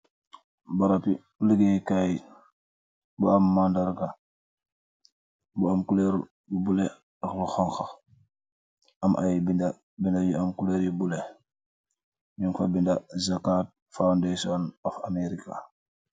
Baraab ligueye kai bu am mandarr'ga bu am kulerr bu buleh ak bu honha am ayy binda, binda yu am kulerr yu buleh nyungfa binda Zakat Foundation of America.